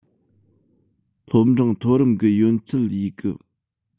སློབ འབྲིང མཐོ རིམ གི ཡོན ཚད ཡོས གི